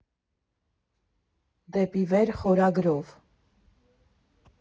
«Դեպի վեր» խորագրով։